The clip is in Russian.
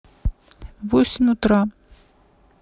восемь утра